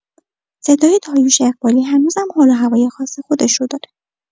صدای داریوش اقبالی هنوزم حال‌وهوای خاص خودش رو داره.